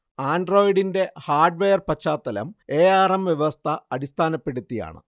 ആൻഡ്രോയ്ഡിന്റെ hardware പശ്ചാത്തലം A R M വ്യവസ്ഥ അടിസ്ഥാനപ്പെടുത്തിയാണ്